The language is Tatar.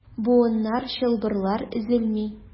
Буыннар, чылбырлар өзелми.